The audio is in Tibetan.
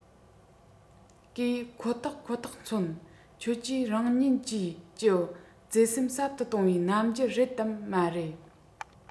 གིས ཁོ ཐག ཁོ ཐག མཚོན ཁྱོད ཀྱིས རང ཉིད ཀྱིས ཀྱི བརྩེ སེམས ཟབ ཏུ གཏོང བའི རྣམ འགྱུར རེད དམ མ རེད